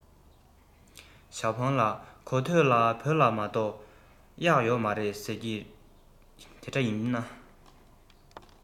ཞའོ ཧྥུང ལགས གོ ཐོས ལ བོད ལ མ གཏོགས གཡག ཡོད མ རེད ཟེར གྱིས དེ འདྲ ཡིན ན